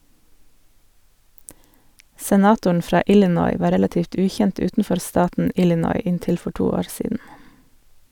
Senatoren fra Illinois var relativt ukjent utenfor staten Illinois inntil for to år siden.